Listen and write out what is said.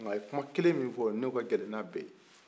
nka a ye kuma kelen min fɔ n'o ka gɛlɛn n'a bɛɛ ye